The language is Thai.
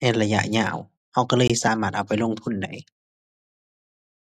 ในระยะยาว คิดคิดเลยสามารถเอาไปลงทุนได้